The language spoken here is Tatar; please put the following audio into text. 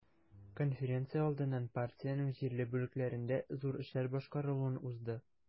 Конференция алдыннан партиянең җирле бүлекләрендә зур эшләр башкарылуын узды.